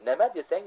nima desang